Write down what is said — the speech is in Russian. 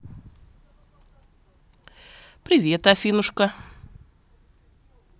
привет афинушка